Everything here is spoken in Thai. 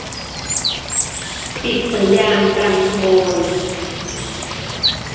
ปิดสัญญาณกันขโมย